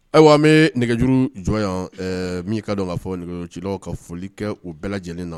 Ayiwa an bɛ nɛgɛjuru jɔ yan min ka don kaa fɔ nɛgɛcilaw ka foli kɛ u bɛɛ lajɛlen na